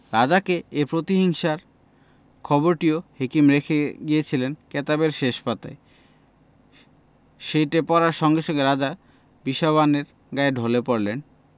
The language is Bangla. রাজাকে এই প্রতিহিংসার খবরটিও হেকিম রেখে গিয়েছিলেন কেতাবের শেষ পাতায় সেইটে পড়ার সঙ্গে সঙ্গে রাজা বিষবাণের ঘায়ে ঢলে পড়লেন